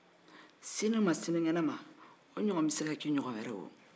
sinin ma sininkɛnɛ ma o ɲɔgɔn bɛ se ka kɛ i ɲɔgɔn wɛrɛ ye